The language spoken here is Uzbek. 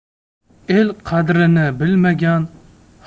el qadrini bilmagan